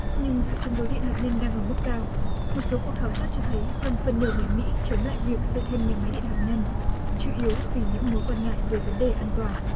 nhưng sự chống đối điện hạt nhân đang ở mức cao một số cuộc khảo sát cho thấy hơn phân nửa người mỹ chống lại việc xây thêm nhà máy điện hạt nhân chủ yếu vì những mối quan ngại về vấn đề an toàn